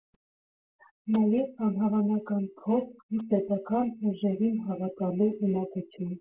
Նաև անհավանական փորձ ու սեփական ուժերին հավատալու ունակություն։